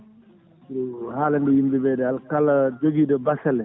haalande yimɓeɓe dal kaala joguiɗo basalle